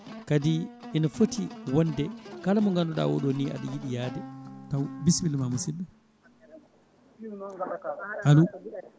kadi ina footi wonde kala mo ganduɗa oɗo ni aɗa yiiɗi yaade taw bisimilla musidɗo